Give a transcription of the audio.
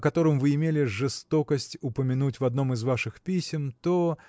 о котором вы имели жестокость упомянуть в одном из ваших писем то.